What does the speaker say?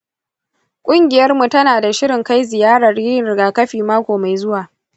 ƙungiyarmu tana da shirin kai ziyarar yin rigakafi mako mai zuwa.